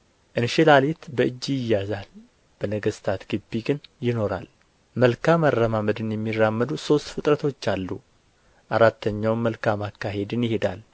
እንሽላሊት በእጅ ይያዛል በነገሥታት ግቢ ግን ይኖራል መልካም አረማመድን የሚራመዱ ሦስት ፍጥረቶች አሉ አራተኛውም መልካም አካሄድን ይሄዳል